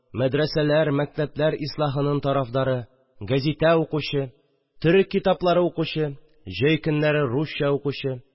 Мәдрәсәләр, мәктәпләр исляхының тарафдары, гәзитә укучы, төрек китаплары укучы, җй көннәре русча укучы